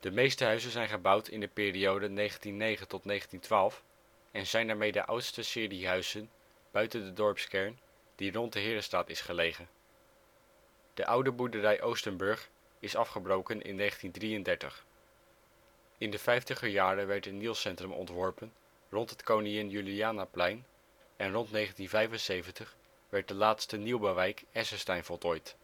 meeste huizen zijn gebouwd in de periode 1909-1912 en zijn daarmee de oudste serie huizen buiten de dorpskern die rond de Herenstraat is gelegen. De oude boerderij Oostenburg is afgebroken in 1933. In de vijftiger jaren werd een nieuw centrum ontworpen rond het Koningin Julianaplein en rond 1975 werd de laatste nieuwbouwwijk ' Essesteijn ' voltooid